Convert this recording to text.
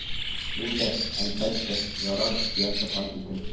Миндә, әлбәттә, "ярар" дия торган идем